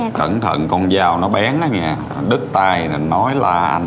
cẩn thận con dao nó bén á nghen đứt tay rồi nói la anh